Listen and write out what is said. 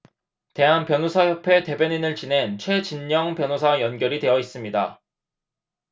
대한변호사협회 대변인을 지낸 최진녕 변호사 연결이 되어 있습니다